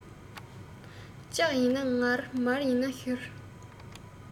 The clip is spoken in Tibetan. ལྕགས ཡིན ན ངར མར ཡིན ན བཞུར